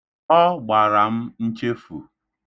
Ọ gbara m nchefu.